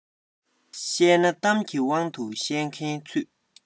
བཤད ན གཏམ གྱི དབང དུ བཤད མཁན ཚུད